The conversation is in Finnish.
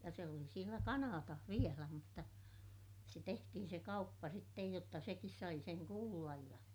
ja se oli siellä Kanadassa vielä mutta se tehtiin se kauppa sitten jotta sekin sai sen kuulla ja